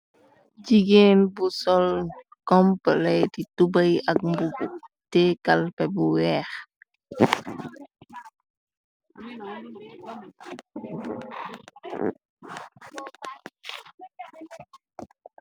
Jigéen bu sol kompilaty tubay ak mbubu teekalpe bu weex.